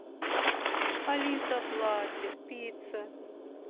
алиса плачет пицца